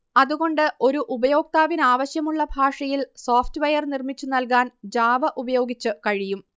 അതുകൊണ്ട് ഒരു ഉപയോക്താവിനാവശ്യമുള്ള ഭാഷയിൽ സോഫ്റ്റ്വെയർനിർമ്മിച്ചു നൽകാൻ ജാവ ഉപയോഗിച്ചു കഴിയും